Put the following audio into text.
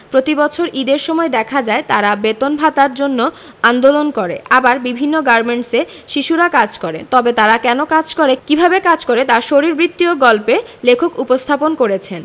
প্রতিবছর ঈদের সময় দেখা যায় তারা বেতন ভাতার জন্য আন্দোলন করে আবার বিভিন্ন গার্মেন্টসে শিশুরা কাজ করে তবে তারা কেন কাজ করে কিভাবে কাজ করে তা শরীরবৃত্তীয় গল্পে লেখক উপস্থাপন করেছেন